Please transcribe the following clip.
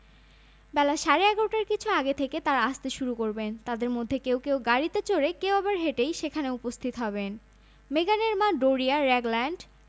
বেলা সাড়ে ১১টার কিছু আগে থেকে তাঁরা আসতে শুরু করবেন তাঁদের মধ্যে কেউ গাড়িতে চড়ে কেউ আবার হেঁটেই সেখানে উপস্থিত হবেন মেগানের মা ডোরিয়া রাগল্যান্ড